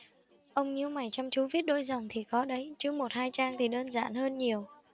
ông nhíu mày chăm chú viết đôi dòng thì khó đấy chứ một hai trang thì đơn giản hơn nhiều